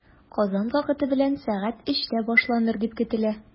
Казан вакыты белән сәгать өчтә башланыр дип көтелә.